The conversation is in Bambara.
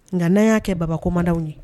Nka n'a y'a kɛ babakomadenw ye